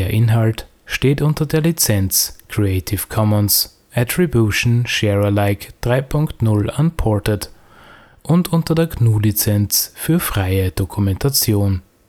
Inhalt steht unter der Lizenz Creative Commons Attribution Share Alike 3 Punkt 0 Unported und unter der GNU Lizenz für freie Dokumentation